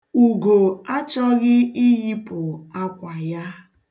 Ugo achọghị iyipụ akwa ya.